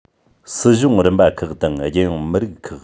སྲིད གཞུང རིམ པ ཁག དང རྒྱལ ཡོངས མི རིགས ཁག